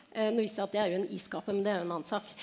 nå viste det seg at det er jo en iskappe, men det er jo en annen sak.